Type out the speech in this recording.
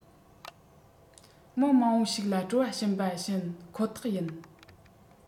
མི མང པོ ཞིག ལ སྤྲོ བ བྱིན པ བྱིན ཁོ ཐག ཡིན